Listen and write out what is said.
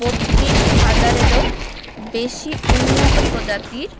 ৩২ হাজারেরও বেশি উন্নত প্রজাতির